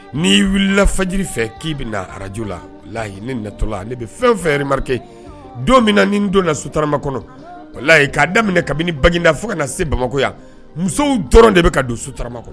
N'i wulilafaji fɛ k'i bɛ na araj la layi netɔla ne bɛ fɛn fɛrike don min na ni don na suta kɔnɔ o layi'a daminɛ kabini bangeda fo ka na se bamakɔ yan musow dɔrɔn de bɛ ka don sutama kɔnɔ